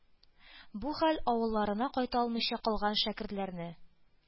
Бу хәл авылларына кайта алмыйча калган шәкертләрне